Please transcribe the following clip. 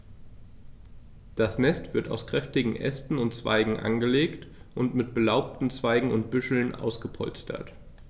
Das Nest wird aus kräftigen Ästen und Zweigen angelegt und mit belaubten Zweigen und Büscheln ausgepolstert.